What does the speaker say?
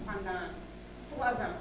pendant 3 ans